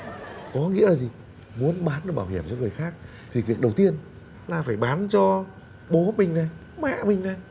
có nghĩa là gì muốn bán được bảo hiểm cho người khác thì việc đầu tiên là phải bán cho bố mình này mẹ mình này